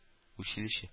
Училище